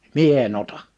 minä en ota